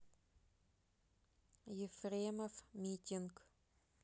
ефремов митинг